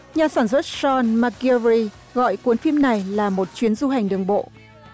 nhà sản xuất son ma ciu ri gọi cuốn phim này là một chuyến du hành đường bộ